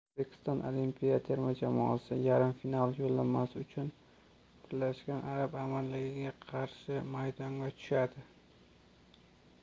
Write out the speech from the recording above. o'zbekiston olimpiya terma jamoasi yarim final yo'llanmasi uchun baaga qarshi maydonga tushadi